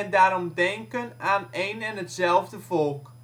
daarom denken aan een en hetzelfde volk